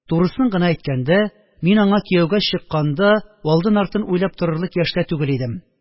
Турысын гына әйткәндә, мин аңарга кияүгә чыкканда алдын-артын уйлап торырлык яшьтә түгел идем,